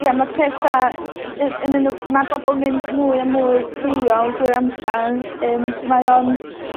ie ma' pethe yy yn y ne- ma' bobol mynd mwy a mwy hiliol drwy'r amser yym mae o'n